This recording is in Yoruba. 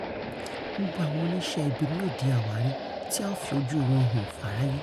Gbogbo àwọn oníṣẹ́-ibi ni ó di àwárí tí a ó fi ojúu wọn hàn f'áráyé rí.